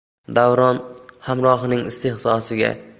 davron hamrohining istehzosiga